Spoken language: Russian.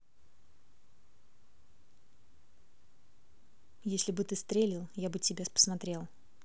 если бы ты стрелил я бы тебя посмотрел